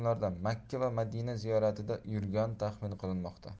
kunlarda makka va madina ziyoratida yurgani taxmin qilinmoqda